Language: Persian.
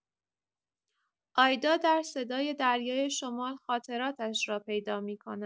آیدا در صدای دریای شمال خاطراتش را پیدا می‌کند.